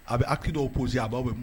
A bɛ akida po a b'a bɛ